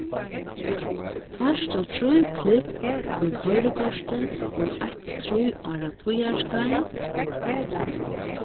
fært tú trý klipp í koyrikortið í eitt trý ára tíðarskeið